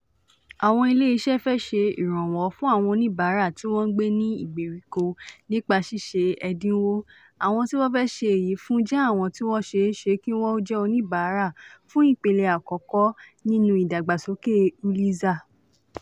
Àwọn ilé iṣẹ́ fẹ́ ṣe ìrànwọ́ fún àwọn oníbàárà tí wọ́n ń gbé ní ìgbèríko nípa ṣíṣe ẹ̀dínwó àwọn tí wọ́n fẹ́ ṣe èyí fún jẹ́ àwọn tí wọ́n ṣeéṣe kí wọn ó jẹ́ oníbàárà fún ìpele àkọ́kọ́ níbi ìdàgbàsókè Uliza.